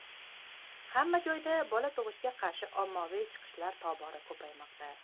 hamma joyda bola tug'ishga qarshi ommaviy chiqishlar tobora ko'paymoqda